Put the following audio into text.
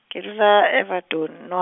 ke dula Everton no-.